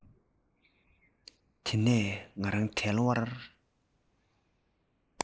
དེ ནས ང རང དལ བར